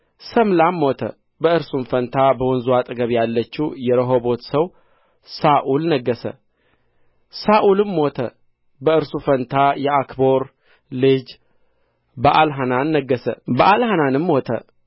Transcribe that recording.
ሠምላም ሞተ በእርሱም ፋንታ በወንዙ አጠገብ ያለችው የረሆቦት ሰው ሳኡል ነገሠ ሳኡልም ሞተ በእርሱም ፋንታ የዓክቦር ልጅ በኣልሐናን ነገሠ በኣልሐናንም ሞተ